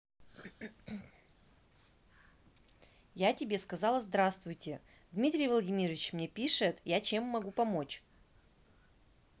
я тебе сказала здравствуйте дмитрий владимирович мне пишет я чем могу помочь